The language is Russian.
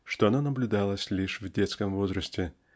что она наблюдалась лишь в детском возрасте